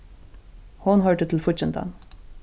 hon hoyrdi til fíggindan